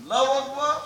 Alahu wakubar